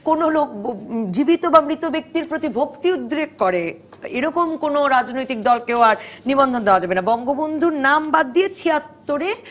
কোন লোক জীবিত বা মৃত ব্যক্তির প্রতি ভক্তি উদ্রেক করে এরকম কোন রাজনৈতিক দলকে নিবন্ধন দেয়া যাবে না বঙ্গবন্ধুর নাম বাদ দিয়ে ৭৬ এ